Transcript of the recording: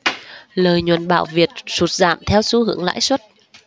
lợi nhuận bảo việt sụt giảm theo xu hướng lãi suất